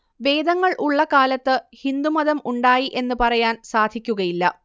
വേദങ്ങൾ ഉള്ള കാലത്ത് ഹിന്ദു മതം ഉണ്ടായി എന്ന് പറയാൻ സാധക്കുകയില്ല